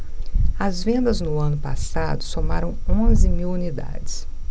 as vendas no ano passado somaram onze mil unidades